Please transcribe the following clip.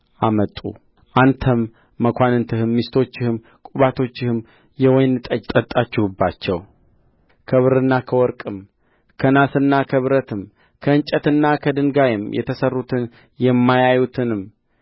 አመጡ አንተም መኳንንትህም ሚስቶችህም ቁባቶችህም የወይን ጠጅ ጠጣችሁባቸው ከብርና ከወርቅም ከናስና ከብረትም ከእንጨትና ከድንጋይም የተሠሩትን የማያዩትንም